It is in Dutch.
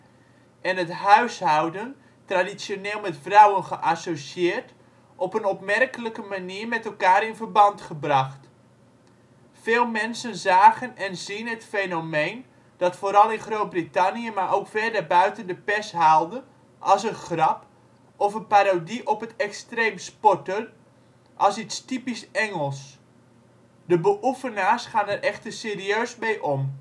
en het huishouden, traditioneel met vrouwen geassocieerd, op een opmerkelijke manier met elkaar in verband gebracht. Veel mensen zagen en zien het fenomeen, dat vooral in Groot-Brittannië maar ook ver daarbuiten de pers haalde, als een grap, of een parodie op het extreem sporten, als iets typisch Engels. De beoefenaars gaan er echter serieus mee om